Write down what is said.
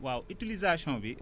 waaw utilisation bi